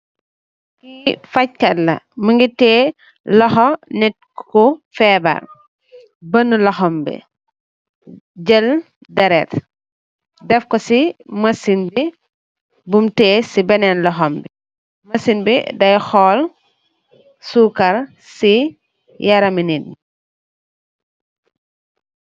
Kee fach katla muge teye lohou neete ku febarr beneh lohom be jel deret defku se machine be bum teye se benen lohom be machine be daye hol sukarr se yarame neet.